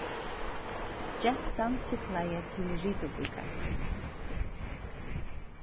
gentan súkklaði til rituvíkar